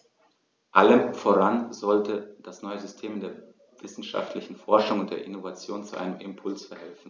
Allem voran sollte das neue System der wissenschaftlichen Forschung und der Innovation zu einem Impuls verhelfen.